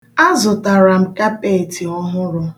A zụtara m kapeeti ọhụrụ.